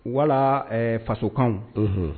Wala fasokan